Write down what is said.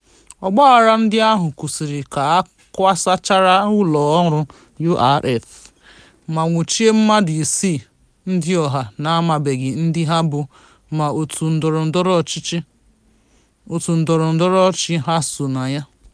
Ọgbaghara ndị ahụ kwụsịrị ka a kwasachara ụlọ ọrụ URF ma nwụchie mmadụ isii ndị ọha na-amabeghị ndị ha bụ ma òtù ndọrọ ndọrọ ọchị ha so na ya.